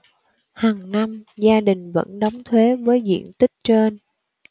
hằng năm gia đình vẫn đóng thuế với diện tích trên